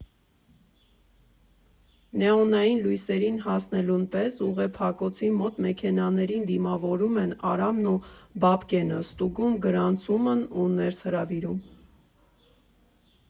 Նեոնային լույսերին հասնելուն պես ուղեփակոցի մոտ մեքենաներին դիմավորում են Արամն ու Բաբկենը, ստուգում գրանցումն ու ներս հրավիրում։